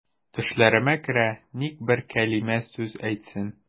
Төшләремә керә, ник бер кәлимә сүз әйтсен.